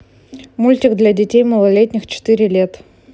мультик для детей маленьких четыре лет